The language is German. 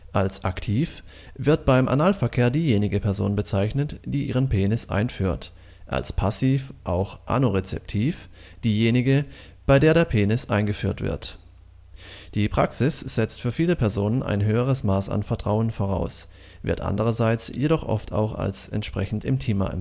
Als „ aktiv “wird beim Analverkehr diejenige Person bezeichnet, die ihren Penis einführt, als „ passiv “, auch „ anorezeptiv “, diejenige, bei der der Penis eingeführt wird. Die Praktik setzt für viele Personen ein höheres Maß an Vertrauen voraus, wird andererseits jedoch oft auch als entsprechend intimer empfunden